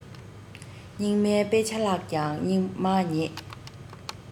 སྙིགས མའི དཔེ ཆ བཀླགས ཀྱང སྙིགས མ ཉིད